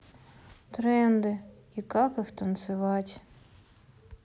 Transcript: тренды и как их танцевать